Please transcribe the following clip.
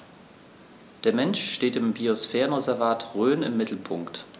Der Mensch steht im Biosphärenreservat Rhön im Mittelpunkt.